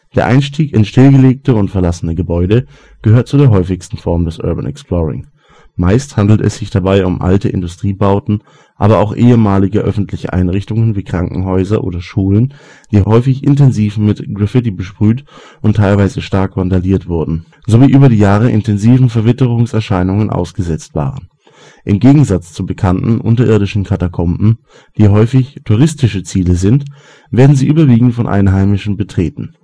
Der Einstieg in stillgelegte und verlassene Gebäude gehört zu der häufigsten Form des Urban Exploring. Meist handelt es sich dabei um alte Industriebauten, aber auch ehemalige öffentliche Einrichtungen wie Krankenhäuser oder Schulen, die häufig intensiv mit Graffiti besprüht und teilweise stark vandaliert wurden, sowie über die Jahre intensiven Verwitterungserscheinungen ausgesetzt waren. Im Gegensatz zu bekannten, unterirdischen Katakomben, die häufig touristische Ziele sind, werden sie überwiegend von Einheimischen betreten